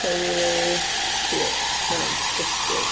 Holy shit, mae hynna'n disgusting.